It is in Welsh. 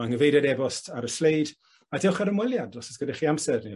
Ma'n nghyfeiriad e-bost ar y sleid. A dewch ar ymweliad os o's gyda chi amser ne'